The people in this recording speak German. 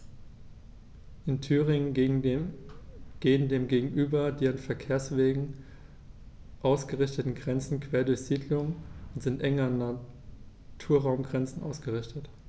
In Thüringen gehen dem gegenüber die an Verkehrswegen ausgerichteten Grenzen quer durch Siedlungen und sind eng an Naturraumgrenzen ausgerichtet.